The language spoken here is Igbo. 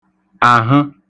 àhə̣